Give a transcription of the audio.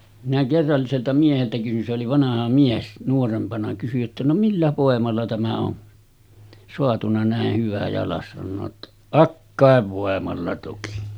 minä kerralliselta mieheltä kysyin se oli vanha mies nuorempana kysyin jotta no millä voimalla tämä on saatu näin hyvä jalas sanoo jotta akkojen voimalla toki